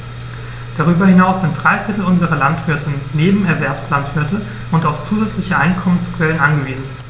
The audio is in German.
Darüber hinaus sind drei Viertel unserer Landwirte Nebenerwerbslandwirte und auf zusätzliche Einkommensquellen angewiesen.